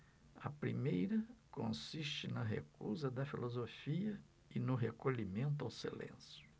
a primeira consiste na recusa da filosofia e no recolhimento ao silêncio